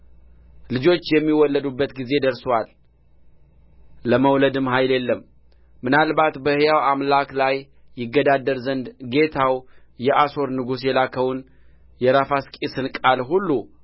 ልጆች የሚወለዱበት ጊዜ ደርሶአል ለመውለድም ኃይል የለም ምናልባት በሕያው አምላክ ላይ ይገዳደር ዘንድ ጌታው የአሦር ንጉሥ የላከውን የራፋስቂስን ቃል ሁሉ